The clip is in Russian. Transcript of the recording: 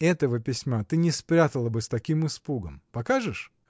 — Этого письма ты не спрятала бы с таким испугом. Покажешь?